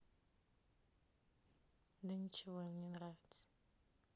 да ничего им не нравится